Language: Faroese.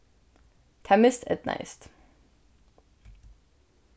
tað miseydnaðist